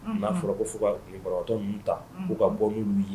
N'a fɔra ko fo ka ninkɔrɔtɔ ta k'u ka bɔ min'u ye